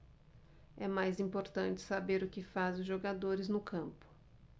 é mais importante saber o que fazem os jogadores no campo